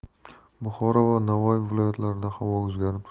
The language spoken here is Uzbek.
buxoro va navoiy viloyatlarida havo o'zgarib turadi